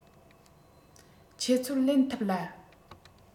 ཁྱེད ཚོར ལེན ཐུབ ལ